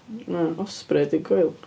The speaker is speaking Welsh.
Osprey 'di gweilch.